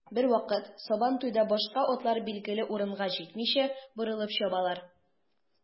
Бервакыт сабантуйда башка атлар билгеле урынга җитмичә, борылып чабалар.